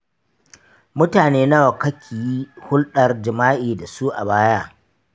mutane nawa kaki yi hulɗar jima’i da su a baya?